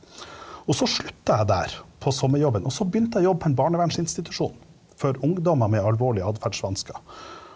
og så slutta jeg der på sommerjobben, og så begynte jeg å jobbe på en barnevernsinstitusjon for ungdommer med alvorlige atferdsvansker.